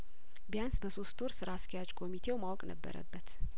ቢያንስ በሶስት ወር ስራ አስኪያጅ ኮሚቴው ማወቅ ነበረበት